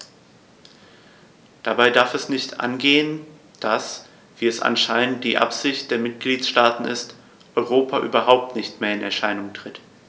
Dabei darf es nicht angehen, dass - wie es anscheinend die Absicht der Mitgliedsstaaten ist - Europa überhaupt nicht mehr in Erscheinung tritt.